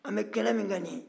an bɛ kɛnɛ min kan nin ye